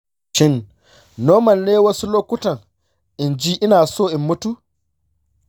shin nomal ne wasu lokutan in ji ina so in mutu?